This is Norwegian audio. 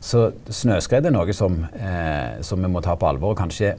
så snøskred er noko som som me må ta på alvor og kanskje